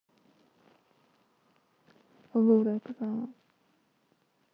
allora оксана